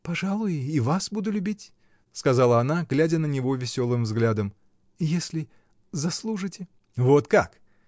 — Пожалуй, я и вас буду любить, — сказала она, глядя на него веселым взглядом, — если. заслужите. — Вот как!